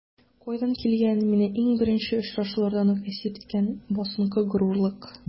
Кайдан килгән мине иң беренче очрашулардан үк әсир иткән басынкы горурлык?